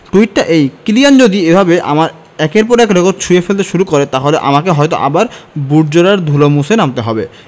টুইটটা এই কিলিয়ান যদি এভাবে আমার একের পর এক রেকর্ড ছুঁয়ে ফেলতে শুরু করে তাহলে আমাকে হয়তো আবার বুটজোড়ার ধুলো মুছে নামতে হবে